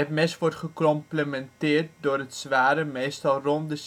mes wordt gecomplementeerd door het zware, meestal ronde